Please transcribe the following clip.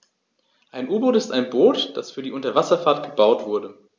Ein U-Boot ist ein Boot, das für die Unterwasserfahrt gebaut wurde.